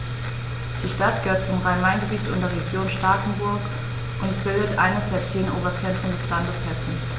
Die Stadt gehört zum Rhein-Main-Gebiet und der Region Starkenburg und bildet eines der zehn Oberzentren des Landes Hessen.